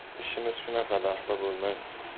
ishimiz shunaqa da xafa bo'lmang